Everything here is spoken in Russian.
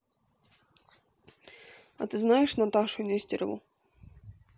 а ты знаешь наташу нестерову